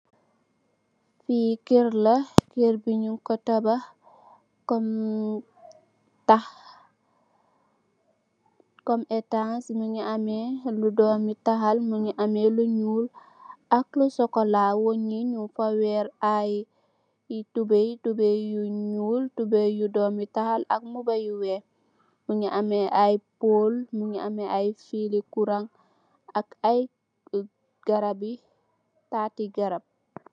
Fee kerr la kerr be nugku tabax kom tahh kom etass muge ameh lu dome tahal muge ameh lu nuul ak lu sukola weah ye nugfa werr aye tubaye tubaye yu nuul tubaye yu dome tahal ak muba yu weex muge ameh aye pole muge ameh aye fele curang ak aye garabe tate garab.